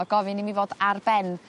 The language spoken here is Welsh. ma' gofyn i mi fod ar ben